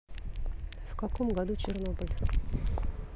в каком году чернобыль